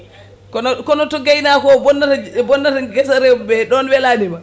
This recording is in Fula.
kono kono to gaynako o bonnata bonnata guese rewɓe ɗon welanima